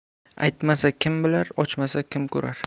aytmasa kim bilar ochmasa kim ko'rar